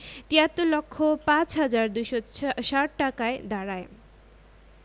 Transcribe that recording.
৭৩ লক্ষ ৫ হাজার ২৬০ টাকায় দাঁড়ায়